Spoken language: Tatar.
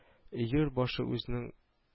Өер башы үзенең